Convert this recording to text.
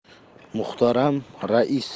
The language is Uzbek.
muhtaram rais